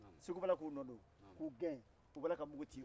segu b'ala k'u nɔ don k'u gɛn u b'ala ka mungu ci